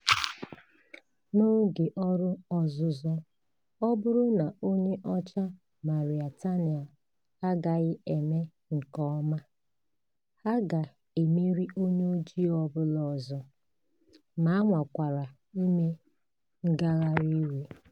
N'oge ọrụ ọzụzụ, ọ bụrụ na onye ọcha Mauritania agaghị eme nke ọma, ha ka ga-emeri onye ojii ọ bụla ọzọ. Ma anwakwala ime ngagharịiwe ...